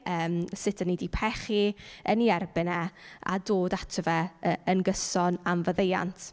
Yym sut 'y ni 'di pechu yn ei erbyn e, a dod ato fe yy yn gyson am faddeuant.